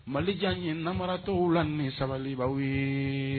Mali diya ye namararatɔw la ni sabali ba ye.